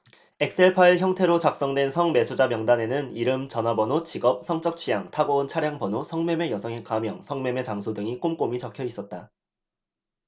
엑셀파일 형태로 작성된 성매수자 명단에는 이름 전화번호 직업 성적 취향 타고 온 차량 번호 성매매 여성의 가명 성매매 장소 등이 꼼꼼히 적혀 있었다